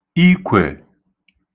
ikwè